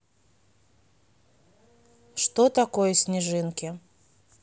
что такое снежинки